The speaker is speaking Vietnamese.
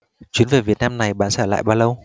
chuyến về việt nam này bạn sẽ ở lại bao lâu